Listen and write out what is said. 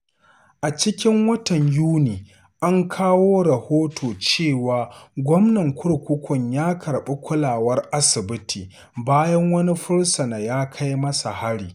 A cikin watan Yuni an kawo rahoto cewa gwamnan kurkukun ya karɓi kulawar asibiti bayan wani fursuna ya kai masa hari.